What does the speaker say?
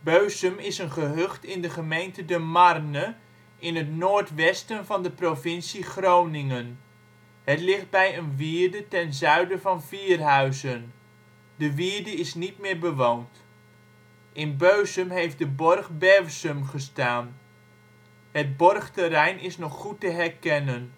Beusum is een gehucht in de gemeente De Marne in het noordwesten van de provincie Groningen. Het ligt bij een wierde ten zuiden van Vierhuizen. De wierde is niet meer bewoond. In Beusum heeft de borg Bewsum gestaan. Het borgterrein is nog goed te herkennen.